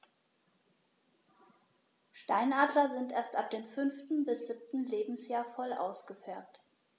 Steinadler sind erst ab dem 5. bis 7. Lebensjahr voll ausgefärbt.